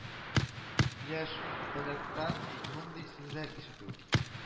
Яшь поляктан мондый сүзләр ишетү